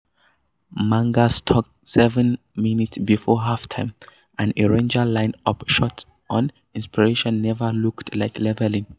Menga struck seven minutes before half-time and a Rangers line-up short on inspiration never looked like levelling.